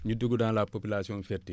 ñu dugg dans la population fertile